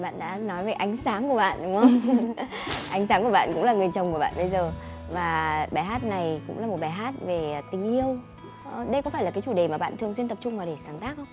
bạn đã nói về ánh sáng của bạn đúng không ánh sáng của bạn cũng là người chồng của bạn bây giờ và bài hát này cũng là một bài hát về tình yêu đây có phải là cái chủ đề mà bạn thường xuyên tập trung vào để sáng tác không